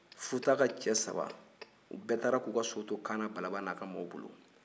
futaka cɛ saba u bɛɛ taara k'u so to kaana balaba n'a ka maaw bolo